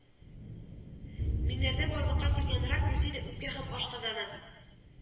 Миңнәрдән барлыкка килгән рак Русиядә үпкә һәм ашказаны